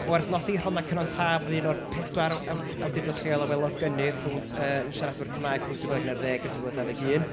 Mae'n werth nodi Rhondda Cynon Taf oedd un o'r 4 aw- awdurdod lleol a welodd gynnydd rhwng yy yn siaradwyr Cymraeg rhwng dwy fil ac unarddeg a dwy fil a dau ddeg un.